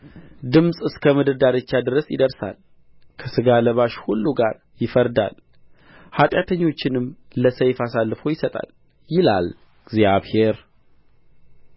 ድምፅ እስከ ምድር ዳርቻ ድረስ ይደርሳል ከሥጋ ለባሽ ሁሉ ጋር ይፋረዳል ኃቲአተኞችንም ለሰይፍ አሳልፎ ይሰጣል ይላል እግዚአብሔር